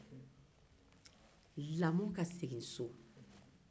lamɔ ka segin so